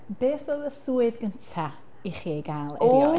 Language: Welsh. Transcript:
Beth oedd y swydd gynta i chi ei gael erioed?